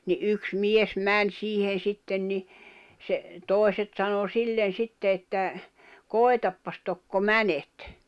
niin yksi mies meni siihen sitten niin se toiset sanoi sille sitten että koetapa tokko menet